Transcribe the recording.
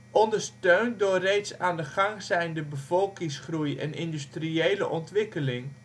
ondersteund door reeds aan de gang zijnde bevolkingsgroei en industriële ontwikkeling